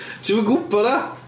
Ti'm yn gwbod na.